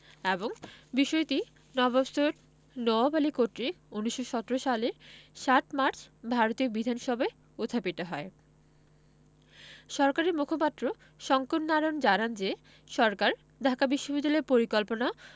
এবং বিষয়টি নবাব সৈয়দ নওয়াব আলী কর্তৃক ১৯১৭ সালের ৭ মার্চ ভারতীয় বিধানসভায় উত্থাপিত হয় সরকারি মুখপাত্র শঙ্কর নারায়ণ জানান যে সরকার ঢাকা বিশ্ববিদ্যালয় পরিকল্পনা